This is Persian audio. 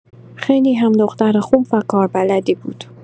خیلی هم دختر خوب و کاربلدی بود.